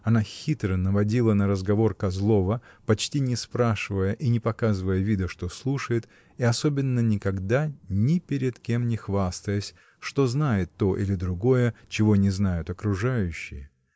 Она хитро наводила на разговор Козлова, почти не спрашивая и не показывая вида, что слушает, и особенно никогда ни перед кем не хвастаясь, что знает то или другое, чего не знают окружающие.